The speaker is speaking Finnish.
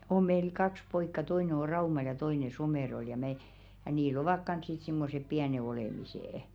on meillä kaksi poikaa toinen on Raumalla ja toinen Somerolla ja me ja niillä ovat kanssa sitten semmoiset pienet olemiset